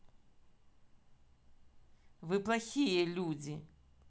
вы плохие люди